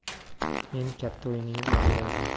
men katta uyning o'g'li edim